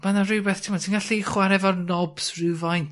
ma' 'na rwbeth t'mod ti'n gallu chware efo'r nobs rhywfaint